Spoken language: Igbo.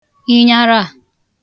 ịnyarā